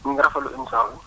ñu ngi rafetlu émission bi